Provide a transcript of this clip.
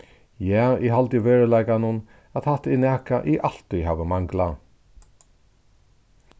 ja eg haldi í veruleikanum at hatta er nakað eg altíð hava manglað